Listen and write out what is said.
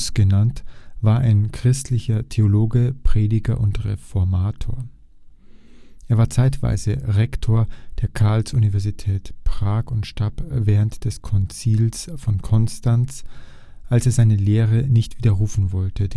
genannt, war ein christlicher Theologe, Prediger und Reformator. Er war zeitweise Rektor der Karls-Universität Prag. Als er während des Konzils von Konstanz seine Lehre nicht widerrufen wollte